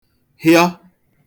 hịọ